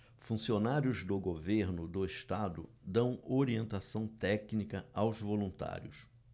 funcionários do governo do estado dão orientação técnica aos voluntários